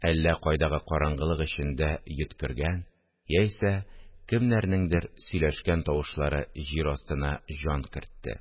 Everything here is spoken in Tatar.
Әллә кайдагы караңгылык эчендә йөткергән яисә кемнәрнеңдер сөйләшкән тавышлары җир астына җан кертте